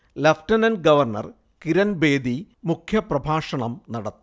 lieutenant governor Kiran Bedi മുഖ്യ പ്രഭാഷണം നടത്തി